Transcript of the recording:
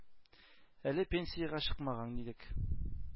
Әле пенсиягә чыкмаган идек.